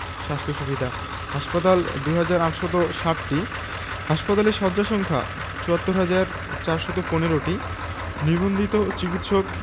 স্বাস্থ্য সুবিধাঃ হাসপাতাল ২হাজার ৮৬০টি হাসপাতালের শয্যা সংখ্যা ৭৪হাজার ৪১৫টি নিবন্ধিত চিকিৎসক